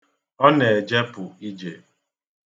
Ọ na-ejepụ ije.